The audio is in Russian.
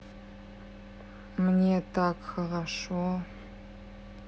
мне так хорошо